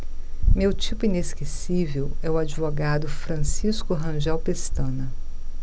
meu tipo inesquecível é o advogado francisco rangel pestana